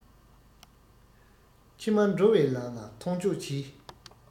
ཕྱི མ འགྲོ བའི ལམ ལ ཐོན ཆོག གྱིས